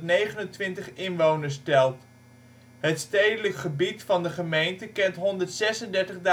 155.329 inwoners telt. Het stedelijk gebied van de gemeente kent 136.584